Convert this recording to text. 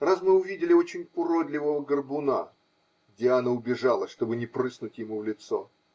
Раз мы увидели очень уродливого горбуна: Диана убежала, чтобы не прыснуть ему в лицо.